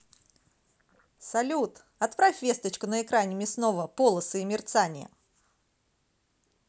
салют отправь весточку на экране мясного полосы и мерцание